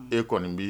E kɔni bi